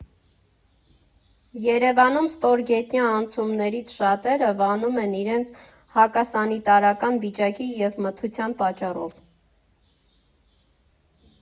Երևանում ստորգետնյա անցումներից շատերը վանում են իրենց հակասանիտարական վիճակի և մթության պատճառով։